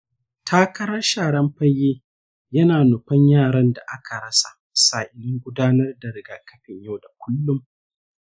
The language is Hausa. takarar sharan-fage yana nufan yaran da aka rasa sa’ilin gudanar da rigakafin yau da kullum.